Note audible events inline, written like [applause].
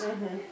[hesitation] [hesitation]